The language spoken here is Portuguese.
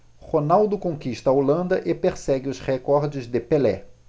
ronaldo conquista a holanda e persegue os recordes de pelé